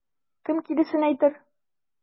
Кем киресен әйтер?